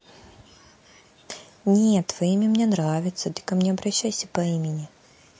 нет твое имя мне нравится ты ко мне обращайся по имени